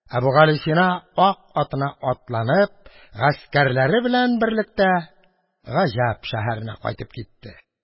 Әбүгалисина, ак атына атланып, гаскәрләре белән берлектә Гаҗәп шәһәренә кайтып китте.